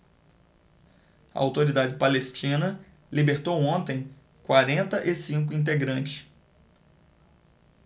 a autoridade palestina libertou ontem quarenta e cinco integrantes